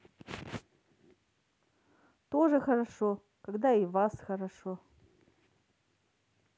тоже хорошо когда и вас хорошо